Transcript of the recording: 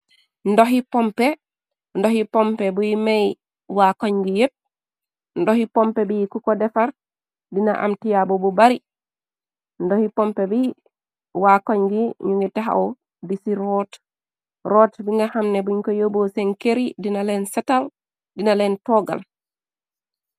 Ndoxi pompe buy mey waa koñ gi yépp. Ndoxi pompe bi ku ko defar dina am tiyaabo bu bari. Ndoxi pompe bi waa koñ gi ñu ngay taxaw di ci root root bi nga xamne buñ ko yoboo seen këri satal dina leen toogal.